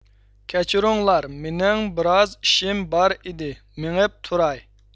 كەچۈرۈڭلار مېنىڭ بىر ئاز ئىشىم بار ئىدى مېڭىپ تۇراي